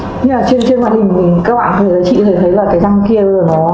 trên màn hình chị có thể thấy